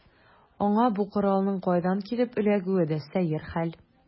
Аңа бу коралның кайдан килеп эләгүе дә сәер хәл.